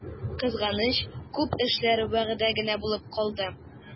Кызганыч, күп эшләр вәгъдә генә булып калды.